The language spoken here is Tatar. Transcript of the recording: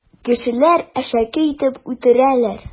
Кешеләр әшәке итеп үтерәләр.